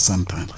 cent ans la